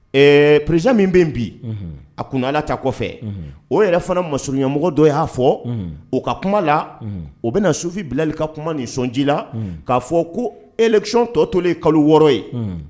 Prez min bɛ yen bi a kunna ala ta kɔfɛ o yɛrɛ fana ma ɲɛmɔgɔ dɔ'a fɔ o ka kuma la u bɛna na sufin bilali ka kuma ni sonji la k'a fɔ ko ekicɔn tɔ tolen kalo wɔɔrɔ ye